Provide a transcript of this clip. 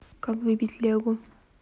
как выбить легу